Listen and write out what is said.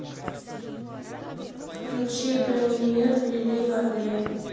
включи бранимир лили марлен